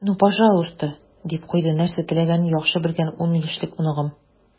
"ну пожалуйста," - дип куйды нәрсә теләгәнен яхшы белгән ун яшьлек оныгым.